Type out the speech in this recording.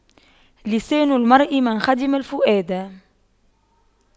لسان المرء من خدم الفؤاد